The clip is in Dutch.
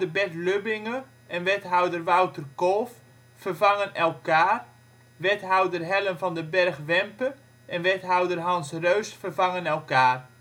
Bert Lubbinge en wethouder Wouter Kolff vervangen elkaar. Wethouder Helen van den Berg-Wempe en wethouder Hans Reusch vervangen elkaar